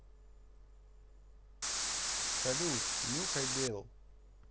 салют нюхай белл